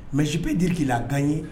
Mɛ si bɛ di lakan ɲɛ